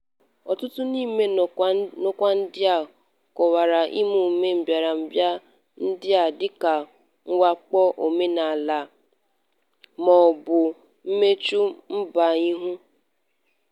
Ọtụtụ n'ime nkọwa ndị a kọwara emume mbịarambịa ndị a dịka "mwakpo omenala" mọọbụ "mmechu mba ihu"."